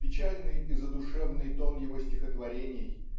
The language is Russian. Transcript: Печальный и задушевный тон его стихотворений